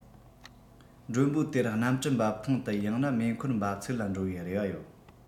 མགྲོན པོ དེར གནམ གྲུ འབབ ཐང དུ ཡང ན མེ འཁོར འབབ ཚུགས ལ འགྲོ བའི རེ བ ཡོད